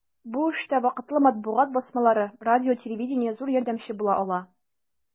Бу эштә вакытлы матбугат басмалары, радио-телевидение зур ярдәмче була ала.